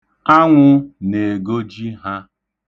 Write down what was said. Anwụ na-egoji ha.